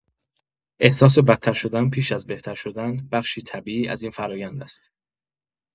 احساس بدترشدن پیش از بهترشدن، بخشی طبیعی از این فرایند است.